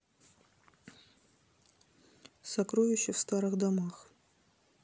сокровища в старых домах